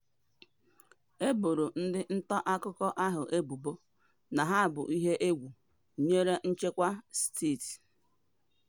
E boro ndị nta akụkọ ahụ ebubo na ha bụ ihe égwu nyere nchekwa steeti